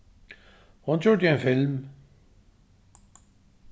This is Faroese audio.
hon gjørdi ein film